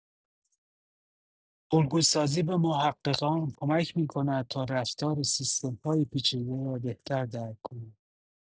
الگوسازی به محققان کمک می‌کند تا رفتار سیستم‌های پیچیده را بهتر درک کنند.